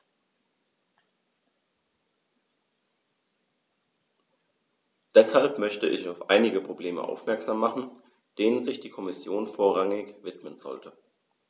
Deshalb möchte ich auf einige Probleme aufmerksam machen, denen sich die Kommission vorrangig widmen sollte.